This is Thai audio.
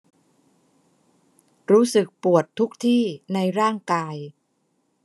รู้สึกปวดทุกที่ในร่างกาย